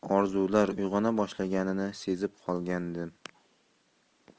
orzular uyg'ona boshlaganini sezib qolgandim